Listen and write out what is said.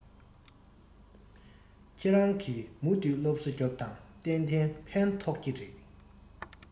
ཁྱེད རང གིས མུ མཐུད སློབ གསོ རྒྱོབས དང གཏན གཏན ཕན ཐོགས ཀྱི རེད